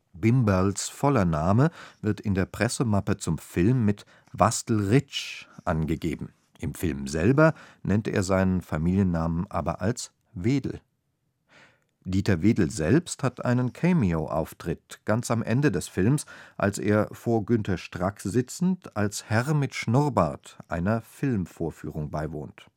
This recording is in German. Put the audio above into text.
Bimberls voller Name wird in der Pressemappe zum Film mit Wastl Ritsch angegeben, im Film selber nennt er seinen Familiennamen aber als Wedel. Dieter Wedel selbst hat einen Cameo-Auftritt ganz am Ende des Films, als er vor Günter Strack sitzend als Herr mit Schnurrbart einer Filmvorführung beiwohnt